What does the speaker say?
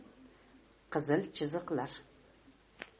qizil chiziqlar